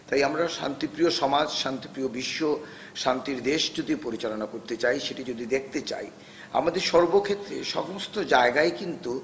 তাই আমরা শান্তিপ্রিয় সমাজ শান্তিপ্রিয় বিশ্ব শান্তির দেশ যদি পরিচালনা করতে চাই সেটি যদি দেখতে চাই আমাদের সর্বক্ষেত্রে সমস্ত জায়গায় কিন্তু